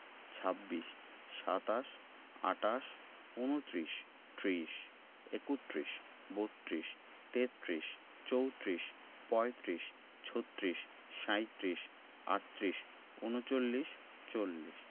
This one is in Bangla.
২৬ – ছাব্বিশ ২৭ – সাতাশ ২৮ - আটাশ ২৯ -ঊনত্রিশ ৩০ - ত্রিশ ৩১ - একত্রিশ ৩২ - বত্ৰিশ ৩৩ - তেত্রিশ ৩৪ - চৌত্রিশ ৩৫ - পঁয়ত্রিশ ৩৬ - ছত্রিশ ৩৭ - সাঁইত্রিশ ৩৮ - আটত্রিশ ৩৯ - ঊনচল্লিশ ৪০ - চল্লিশ